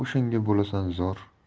o'shanga bo'lasan zor